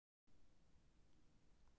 алиса хватит может издеваться